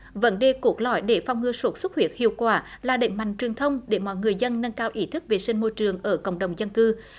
vấn đề cốt lõi để phòng ngừa sốt xuất huyết hiệu quả là đẩy mạnh truyền thông để mọi người dân nâng cao ý thức vệ sinh môi trường ở cộng đồng dân cư